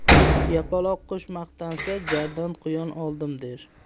yapaloqqush maqtansa jardan quyon oldim der